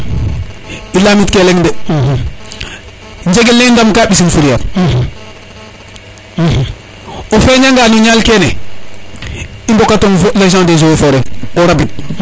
i lamit ke leŋ de njengel ne i ndam ka mbisin fourière o feña nga o ñal kene o mboka tong fo l' agent des eaux et foret o rabid